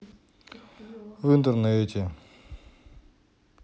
в интернете